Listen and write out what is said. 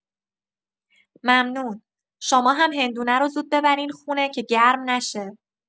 ممنون، شما هم هندونه رو زود ببرین خونه که گرم نشه.